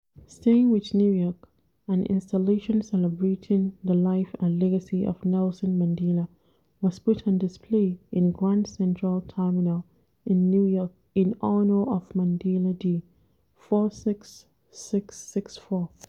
Staying with New York, an installation celebrating the life and legacy of Nelson Mandela was put on display in Grand Central Terminal in New York in honour of Mandela Day 46664.